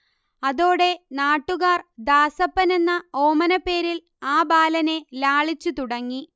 അതോടെ നാട്ടുകാർ ദാസപ്പൻ എന്ന ഓമനപ്പേരിൽ ആ ബാലനെ ലാളിച്ചു തുടങ്ങി